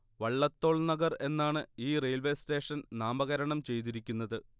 വള്ളത്തോൾ നഗർ എന്നാണ് ഈ railway station നാമകരണം ചെയ്തിരിക്കുന്നത്